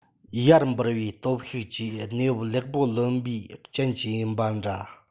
ཡར འབུར པའི སྟོབས ཤུགས ཀྱིས གནས བབ ལེགས པོ ལོན པའི རྐྱེན གྱིས ཡིན པ འདྲ